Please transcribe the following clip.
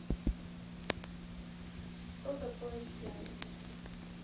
что такое член